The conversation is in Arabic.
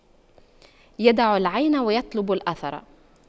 يدع العين ويطلب الأثر